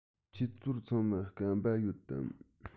ཁྱོད ཚོ ཚང མར སྐམ པ ཡོད དམ